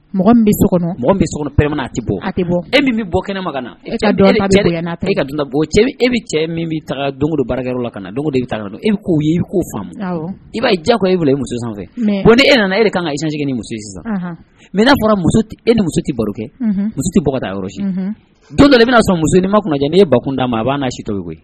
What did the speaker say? Mɔgɔ mɔgɔ a tɛ bɔ e min bɛ bɔ kɛnɛma kan na e e ka donna bɔ e bɛ cɛ min bɛ don don bara la ka don dɔ de bɛ don e'o i' faama i b'a diyakɔ e bolo i muso fɛ bon e nana e de kan i n ni muso sisan mɛ n'a fɔra e ni muso tɛ baro kɛ muso tɛda yɔrɔ don dɔ i'a sɔrɔ musosonin majɛ' e ye ba kun'a ma b'a sito koyi